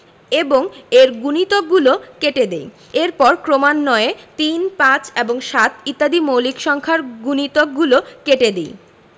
এবং এর গুণিতকগলো কেটে দেই এরপর ক্রমান্বয়ে ৩ ৫ এবং ৭ ইত্যাদি মৌলিক সংখ্যার গুণিতকগুলো কেটে দিই